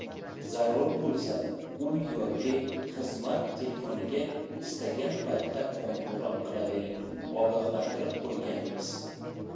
zarur bo'lsa uy yoki xizmat telefoniga istagan paytda qo'ng'iroq qilavering ogohlantirib qo'yganmiz